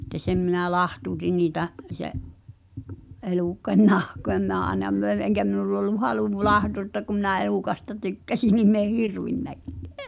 että sen minä lahtautin niitä sen elukan nahkoja minä aina myin eikä minulla ollut halu lahdata kun minä elukasta tykkäsin niin minä en hirvennytkään